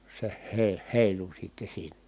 se - heilui sitten siinä